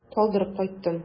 Калдырып кайттым.